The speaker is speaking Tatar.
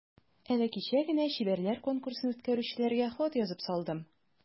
Әле кичә генә чибәрләр конкурсын үткәрүчеләргә хат язып салдым.